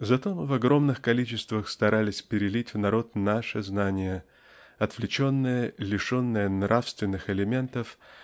Зато мы в огромных количествах старались перелить в народ наше знание отвлеченное лишенное нравственных элементов